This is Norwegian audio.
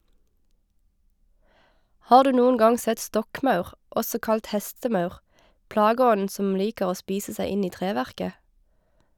Har du noen gang sett stokkmaur, også kalt hestemaur, plageånden som liker å spise seg inn i treverket?